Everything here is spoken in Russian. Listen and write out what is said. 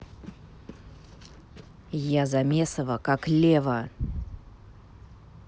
я замесова как лева